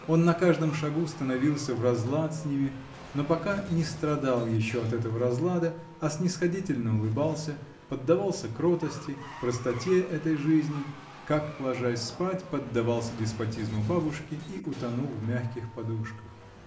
Он на каждом шагу становился в разлад с ними, но пока не страдал еще от этого разлада, а снисходительно улыбался, поддавался кротости, простоте этой жизни, как, ложась спать, поддался деспотизму бабушки и утонул в мягких подушках.